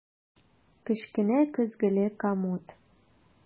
Кечкенә көзгеле комод.